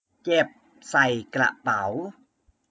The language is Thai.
เก็บใส่กระเป๋า